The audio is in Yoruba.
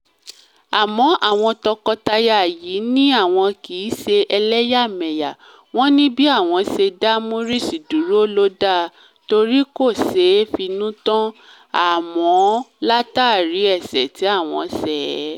Àmọ́ àwọn tọkọtaya yìí ní àwọn kì í ṣe ẹlẹ́yàmẹyà. Wọ́n ní bí àwọn ṣe dá Maurice dúró ló da torí kò ṣé e fi inú tán án mọ́ látàrí ẹ̀sẹ̀ tí á̀wọn ṣẹ̀ ẹ́.